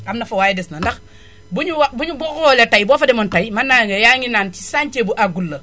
am na fa waaye des na ndax bu ñu wa bu ñu boo xoolee tay boo fa demoon tay mën naa ne yaa ngi naan chantier bu àggul la